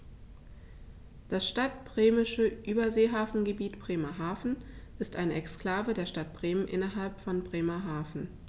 Das Stadtbremische Überseehafengebiet Bremerhaven ist eine Exklave der Stadt Bremen innerhalb von Bremerhaven.